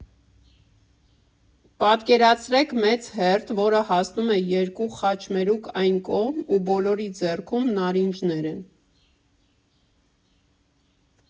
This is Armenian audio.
Պատկերացրեք՝ մեծ հերթ, որը հասնում է երկու խաչմերուկ այն կողմ ու բոլորի ձեռքում նարինջներ են։